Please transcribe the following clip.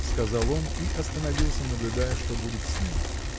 – сказал он и остановился, наблюдая, что будет с ней.